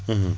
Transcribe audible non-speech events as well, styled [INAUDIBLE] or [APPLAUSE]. [HESITATION] [HESITATION]